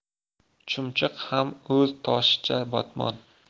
chumchuq ham o'z toshicha botmon